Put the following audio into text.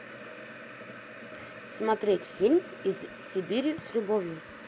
смотреть фильм из сибири с любовью